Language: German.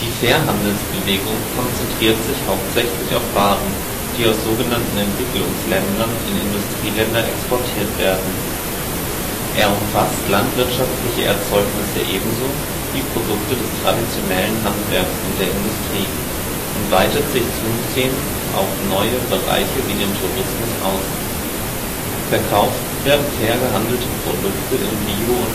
Fairhandelsbewegung konzentriert sich hauptsächlich auf Waren, die aus so genannten Entwicklungsländern in Industrieländer exportiert werden. Er umfasst landwirtschaftliche Erzeugnisse (etwa Kaffee und Bananen) ebenso wie Produkte des traditionellen Handwerks und der Industrie und weitet sich zusehends auf neue Bereiche wie den Tourismus aus. Verkauft werden fair gehandelte Produkte in Bio